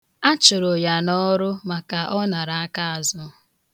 A chụrụ ya n'ọrụ maka ọ nara akaazụ.